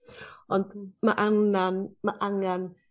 ond ma' angnan ma' angan